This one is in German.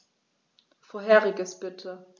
Vorheriges bitte.